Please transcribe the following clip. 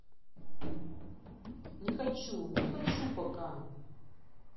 не хочу не хочу пока